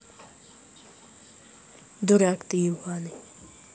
дурак ты ебаный